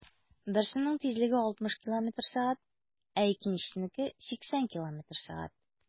Берсенең тизлеге 60 км/сәг, ә икенчесенеке - 80 км/сәг.